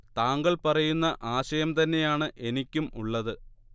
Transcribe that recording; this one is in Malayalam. താങ്ങൾ പറയുന്ന ആശയം തന്നെയാണ് എനിക്കും ഉള്ളത്